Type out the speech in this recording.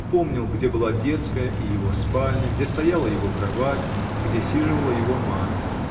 припомнил, где была детская и его спальня, где стояла его кровать, где сиживала его мать.